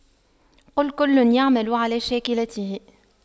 قُل كُلٌّ يَعمَلُ عَلَى شَاكِلَتِهِ